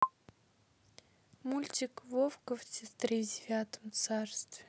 мультик вовка в тридевятом царстве